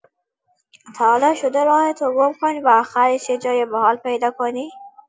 تا حالا شده راهتو گم کنی و آخرش یه جای باحال پیدا کنی؟